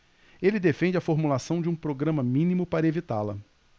ele defende a formulação de um programa mínimo para evitá-la